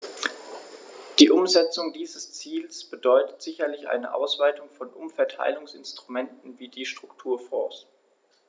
Die Umsetzung dieses Ziels bedeutet sicherlich eine Ausweitung von Umverteilungsinstrumenten wie die Strukturfonds.